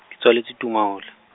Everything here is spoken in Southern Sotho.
ke tswaletswe Tumahole.